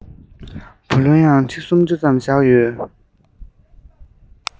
བུ ལོན ཡང ཁྲི སུམ ཅུ ཙམ བཞག ཡོད